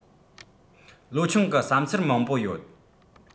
ལོ ཆུང གི བསམ ཚུལ མང པོ ཡོད